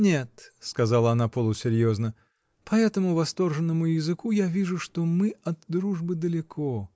— Нет, — сказала она полусерьезно, — по этому восторженному языку я вижу, что мы от дружбы далеко.